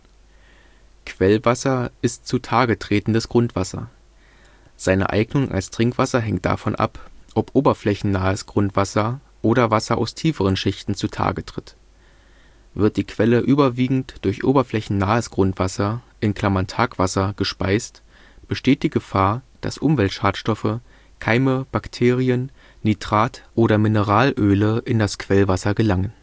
Quellwasser ist zutage tretendes Grundwasser. Seine Eignung als Trinkwasser hängt davon ab, ob oberflächennahes Grundwasser oder Wasser aus tieferen Schichten zutage tritt. Wird die Quelle überwiegend durch oberflächennahes Wasser (Tagwasser) gespeist, besteht die Gefahr, dass Umweltschadstoffe, Keime, Bakterien, Nitrat oder Mineralöle in das Quellwasser gelangen